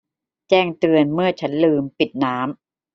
แจ้งเตือนเมื่อฉันลืมปิดน้ำ